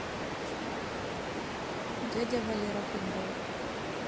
дядя валера футбол